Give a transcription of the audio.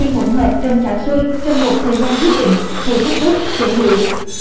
khi hỗn hợp trong chảo sôi trong một thời gian nhất định thì tắt bếp để nguội